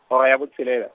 hora ya bo tshelela.